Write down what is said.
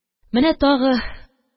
Менә тагы